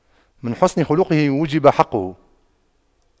من حسن خُلقُه وجب حقُّه